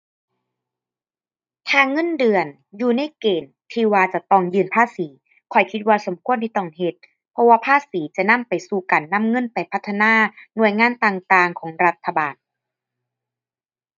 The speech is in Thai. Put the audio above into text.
ถ้าเงินเดือนอยู่ในเกณฑ์ที่ว่าจะต้องยื่นภาษี ข้อยคิดว่าสมควรที่ต้องเฮ็ด เพราะว่าภาษีจะนำไปสู่การนำเงินไปพัฒนาหน่วยงานต่างต่างของรัฐบาล